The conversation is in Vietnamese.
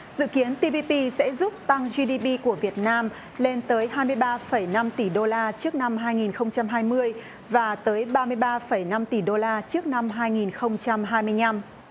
dự kiến ti pi pi sẽ giúp tăng di đi pi của việt nam lên tới hai mươi ba phẩy năm tỷ đô la trước năm hai nghìn không trăm hai mươi và tới ba mươi ba phẩy năm tỷ đô la trước năm hai nghìn không trăm hai mươi nhăm